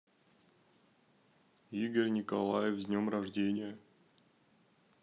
игорь николаев с днем рождения